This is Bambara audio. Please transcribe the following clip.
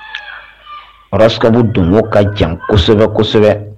sababu don ka jan kosɛbɛ kosɛbɛ